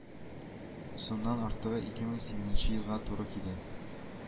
Сумнан артыгы ике мең сигезенче елга туры килә